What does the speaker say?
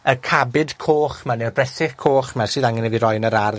y cabyd coch 'ma, neu'r bresych coch 'ma, sydd angen i fi roi yn yr ardd